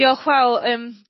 Diolch wel yym